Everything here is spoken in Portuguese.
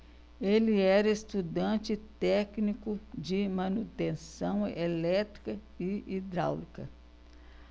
ele era estudante e técnico de manutenção elétrica e hidráulica